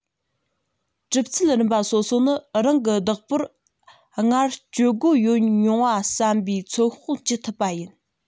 གྲུབ ཚུལ རིམ པ སོ སོ ནི རང གི བདག པོར སྔར སྤྱོད སྒོ ཡོད མྱོང བ བསམ པས ཚོད དཔག བགྱི ཐུབ པ ཡིན